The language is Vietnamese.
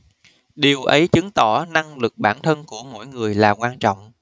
điều ấy chứng tỏ năng lực bản thân của mỗi người là quan trọng